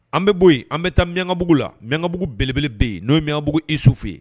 An bɛ bɔ yen an bɛ taa Miɲankabugu la Miɲankabugu belebele bɛ yen n'o Miɲanbugu Isufu yen